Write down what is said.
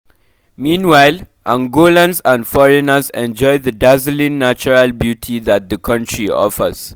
Meanwhile, Angolans and foreigners enjoy the dazzling natural beauty that the country offers.